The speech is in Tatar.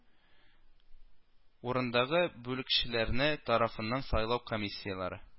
Урындагы бүлекчәләрне тарафыннан сайлау комиссиялары